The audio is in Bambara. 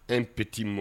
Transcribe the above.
Un petit mot